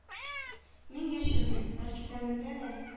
Мин яшермим, бәлки, тәнемдә дә